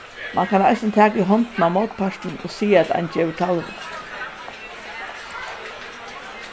mann kann eisini taka í hondina á mótpartinum og siga at ein gevur talvið